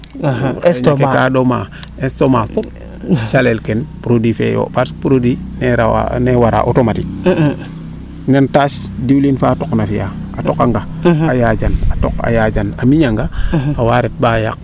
estomac mene ke gaa ɗomaa estomac fop calel ken produit fee yo parce que produit ne rawa automatique nen tache diwliin faa toqna fiyaa a toqa nga a yaajan a toq a yaajan a miñangaa awaa ret baa yaq